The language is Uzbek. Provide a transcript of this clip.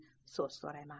so'z so'rayman